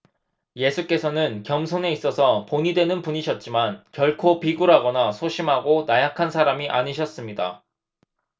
예수께서는 겸손에 있어서 본이 되는 분이셨지만 결코 비굴하거나 소심하고 나약한 사람이 아니셨습니다